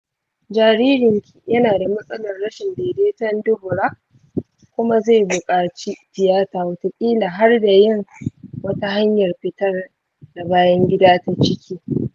jaririnki yana da matsalar rashin daidaiton dubura kuma zai buƙaci tiyata, watakila har da yin wata hanyar fitar da bayan gida ta ciki.